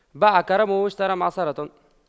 باع كرمه واشترى معصرة